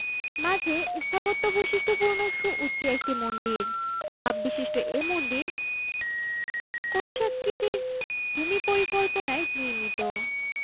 মাঝে স্থাপত্য বৈশিষ্ট্যপূর্ণ সুউচ্চ একটি মন্দির ধাপবিশিষ্ট এ মন্দির ক্রুশাকৃতি ভূমিপরিকল্পনায় নির্মিত